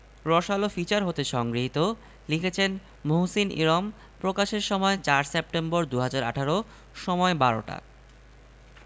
আপনি হাতপাখা বা টিস্যু হিসেবে ব্যবহার করার পরিকল্পনা করে ফেলেছেন